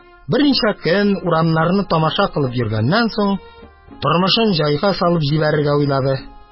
Берничә көн урамнарны тамаша кылып йөргәннән соң, тормышын җайга салып җибәрергә уйлады.